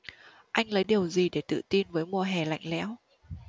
anh lấy điều gì để tự tin với mùa hè lạnh lẽo